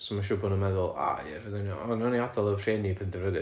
So ma'n siŵr bo' nw'n meddwl "o ia fydd yn iawn, o nawn ni adal y rhieni penderfynu"